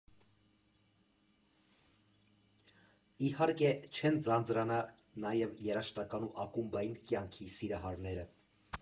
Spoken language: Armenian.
Իհարկե, չեն ձանձրանա նաև երաժշտական ու ակումբային կյանքի սիրահարները։